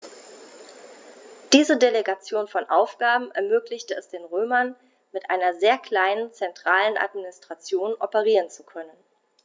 Diese Delegation von Aufgaben ermöglichte es den Römern, mit einer sehr kleinen zentralen Administration operieren zu können.